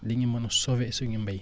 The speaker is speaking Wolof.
dinañ mën a sauvé suñu mbéy